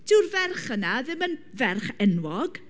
Dyw'r ferch yna ddim yn ferch enwog,